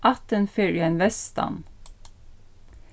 ættin fer í ein vestan